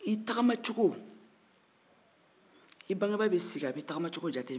i tagamacogo i bangebaa bɛ sigi a b'i tagamacogo jateminɛ